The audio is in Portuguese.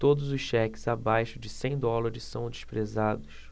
todos os cheques abaixo de cem dólares são desprezados